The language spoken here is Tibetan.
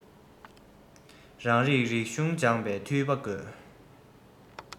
རང རིགས རིག གཞུང སྦྱངས པའི ཐོས པ མེད